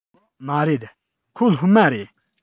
མ རེད ཁོ སློབ མ རེད